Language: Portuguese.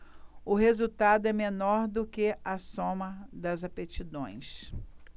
o resultado é menor do que a soma das aptidões